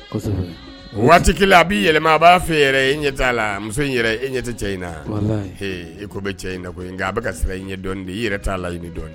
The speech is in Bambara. Waati a'i yɛlɛma a b'a fɛ i ɲɛ t'a la muso e ɲɛ cɛ in na e ko bɛ cɛ in na a bɛ siran i ɲɛ i yɛrɛ t'a la i dɔn ye